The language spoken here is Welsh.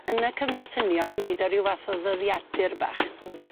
Yn y cyfnod hynny o'n i'n neud e ryw fath o ddyddiadur bach. Hmm.